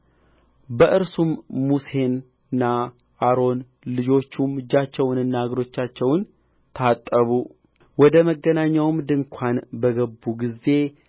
በእርሱም ሙሴና አሮን ልጆቹም እጆቻቸውንና እግሮቻቸውን ታጠቡ ወደ መገናኛው ድንኳን በገቡ ጊዜ